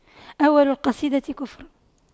أول القصيدة كفر